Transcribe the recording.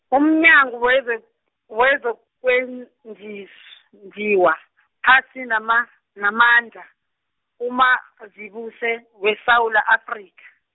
umnyango Weze- WezoKwenjis- -njiwa, phasi nama namandla, uMazibuse weSewula Afrika.